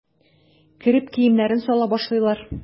Кереп киемнәрен сала башлыйлар.